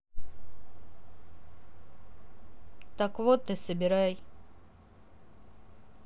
так вот и собирай